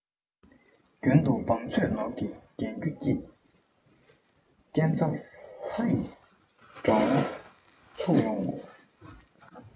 རྒྱུན དུ བང མཛོད ནོར གྱིས བརྒྱང རྒྱུ གྱིས རྐྱེན རྩ ལྷག ཡོང དགྲ བོ མཆོངས ཡོང ངོ